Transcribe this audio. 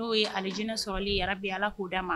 N'o ye ali jinɛinɛ sɔrɔli yɛrɛ bi ala k'o da ma